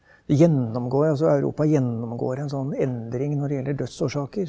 vi gjennomgår altså Europa gjennomgår en sånn endring når det gjelder dødsårsaker.